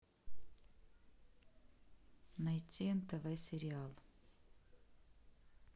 найти нтв сериал